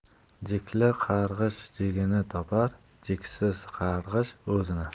jikli qarg'ish jigini topar jiksiz qarg'ish o'zini